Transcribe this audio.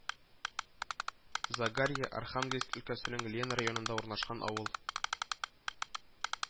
Загарье Архангельск өлкәсенең Лена районында урнашкан авыл